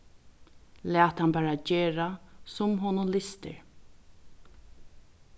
lat hann bara gera sum honum lystir